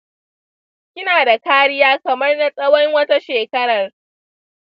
kinada kariya kamar na tsawon wata shekarar.